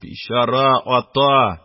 Бичара ата!